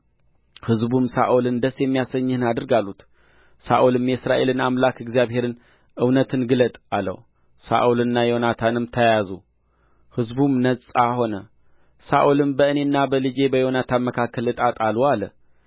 ሕዝቡም ሳኦልን ደስ የሚያሰኝህን አድርግ አሉት ሳኦልም የእስራኤልን አምላክ እግዚአብሔርን እውነትን ግለጥ አለው ሳኦልና ዮናታንም ተያዙ ሕዝቡም ነጻ ሆነ ሳኦልም በእኔና በልጄ በዮናታን መካከል ዕጣ ጣሉ አለ